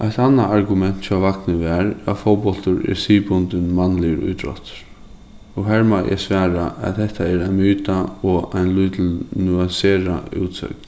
eitt annað argument hjá vagni var at fótbóltur er siðbundin mannligur ítróttur og har má eg svara at hetta er ein myta og ein lítil nuanserað útsøgn